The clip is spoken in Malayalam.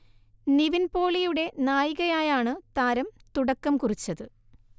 നിവിൻ പോളിയുടെ നായികയായാണ് താരം തുടക്കം കുറിച്ചത്